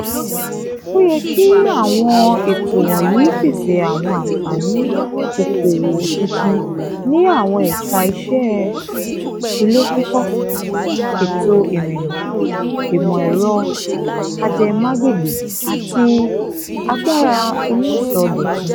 Ó yẹ kí àwọn ètò wọ̀nyìí pèsè àwọn àǹfààní òkòwò tuntun ní àwọn ẹ̀ka-iṣẹ́ ilé-kíkọ́, ètò ìrìnnà, ìmọ̀-ẹ̀rọ ajẹmágbègbè, àti agbára onísọdọ̀tun.